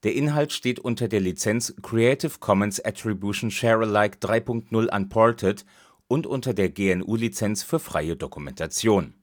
Inhalt steht unter der Lizenz Creative Commons Attribution Share Alike 3 Punkt 0 Unported und unter der GNU Lizenz für freie Dokumentation